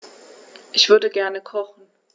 Ich würde gerne kochen.